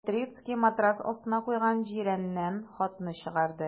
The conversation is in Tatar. Петрицкий матрац астына куйган җирәннән хатны чыгарды.